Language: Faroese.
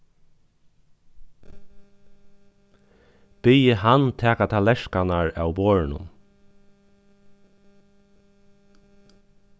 biðið hann taka tallerkarnar av borðinum